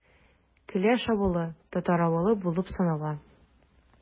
Келәш авылы – татар авылы булып санала.